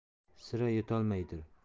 sira yetolmaydir